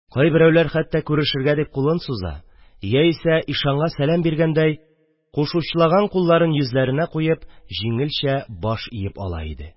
Кайберәүләр хәттә күрешергә дип кулын суза яисә, ишанга сәләм биргәндәй, кушучлаган кулларын йөзләренә куеп, җиңелчә баш иеп ала иде.